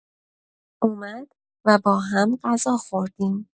اومد و باهم غذا خوردیم.